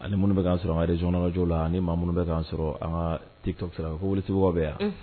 Hali ni minnu bɛ k'an sɔrɔ an ka régionaux radio la ani maa minnu bɛ k'an sɔrɔ an ka tik tok sirafɛ ko welesebugukaw bɛ ye wa